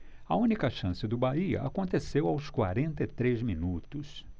a única chance do bahia aconteceu aos quarenta e três minutos